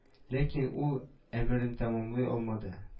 Ләкин ул әмерен тәмамлый алмады